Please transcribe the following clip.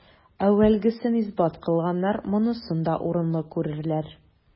Әүвәлгесен исбат кылганнар монысын да урынлы күрерләр.